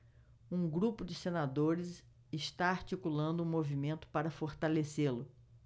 um grupo de senadores está articulando um movimento para fortalecê-lo